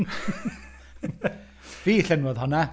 Fi llenwodd honna.